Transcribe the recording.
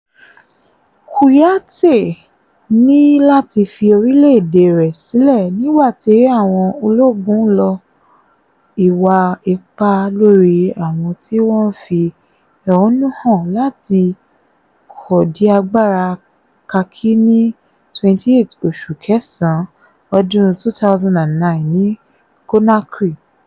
Kouyate ní láti fi orílẹ̀-èdè rẹ̀ sílẹ̀ nígbàtí àwọn ológun lo ìwà - ipá lórí àwọn tí wọ́n ń fi ẹ̀hónú hàn láti kọdí agbára Kaki ní 28 Oṣù Kẹ̀sán ọdún 2009 ní Conakry.